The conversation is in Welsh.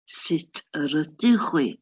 Sut yr ydych chwi?